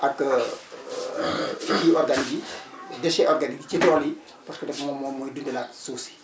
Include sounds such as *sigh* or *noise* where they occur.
ak *hesitation* *coughs* kii organiques yi *noise* dechets organiques ci *noise* tool yi parce que daf moom mooy dundalaat suuf si